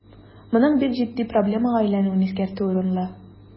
Моның бик җитди проблемага әйләнүен искәртү урынлы.